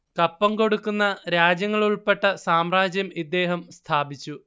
കപ്പം കൊടുക്കുന്ന രാജ്യങ്ങളുൾപ്പെട്ട സാമ്രാജ്യം ഇദ്ദേഹം സ്ഥാപിച്ചു